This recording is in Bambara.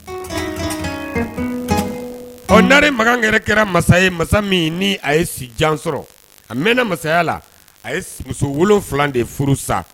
O nare makankɛ kɛra masa ye masa min ni ye si jan sɔrɔ a bɛ masaya la muso wolonwula de furu san